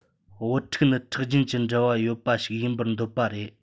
བུ ཕྲུག ནི ཁྲག རྒྱུན གྱི འབྲེལ བ ཡོད པ ཞིག ཡིན པར འདོད པ རེད